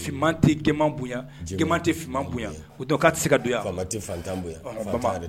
Yan tɛ ka